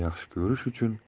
yaxshi ko'rish uchun